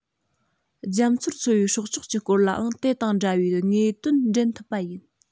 རྒྱ མཚོར འཚོ བའི སྲོག ཆགས ཀྱི སྐོར ལའང དེ དང འདྲ བའི དངོས དོན འདྲེན ཐུབ པ ཡིན